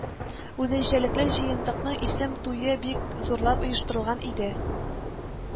Үзенчәлекле җыентыкның исем туе бик зурлап оештырылган иде